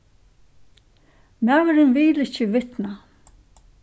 maðurin vil ikki vitna